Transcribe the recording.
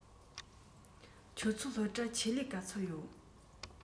ཁྱོད ཚོའི སློབ གྲྭར ཆེད ལས ག ཚོད ཡོད